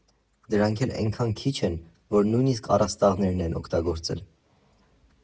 Դրանք էլ էնքան քիչ են, որ նույնիսկ առաստաղներն ենք օգտագործել։